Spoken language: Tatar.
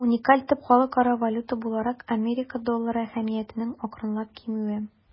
Уникаль төп халыкара валюта буларак Америка доллары әһәмиятенең акрынлап кимүе.